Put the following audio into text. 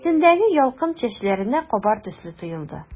Битендәге ялкын чәчләренә кабар төсле тоелды.